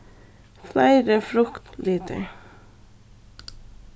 fleiri fruktlitir